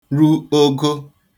ru ogo